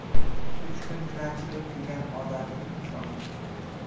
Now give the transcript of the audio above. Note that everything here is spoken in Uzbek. uch kun tilanchilik qilgan odatini tashlolmaydi